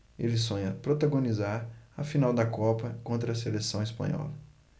ele sonha protagonizar a final da copa contra a seleção espanhola